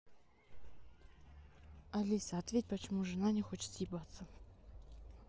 алиса ответь пожалуйста почему жена не хочет съебаться